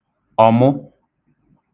ọ̀mụ